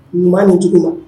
Ɲuman ni di ma